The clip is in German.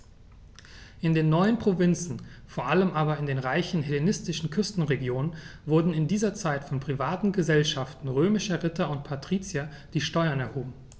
In den neuen Provinzen, vor allem in den reichen hellenistischen Küstenregionen, wurden in dieser Zeit von privaten „Gesellschaften“ römischer Ritter und Patrizier die Steuern erhoben.